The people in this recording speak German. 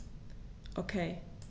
Okay.